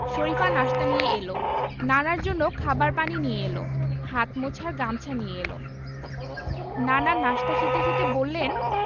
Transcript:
শরিফা নাশতা নিয়ে এলো নানার জন্য খাবার পানি নিয়ে এলো হাত মোছার গামছা নিয়ে এলো নানা নাশতা খেতে খেতে বললেন